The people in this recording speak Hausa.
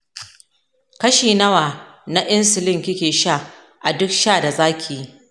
kashi nawa na insulin kike sha a duk sha da zakiyi?